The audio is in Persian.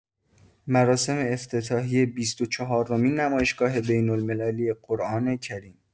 مراسم افتتاحیه بیست و چهارمین نمایشگاه بین‌المللی قرآن کریم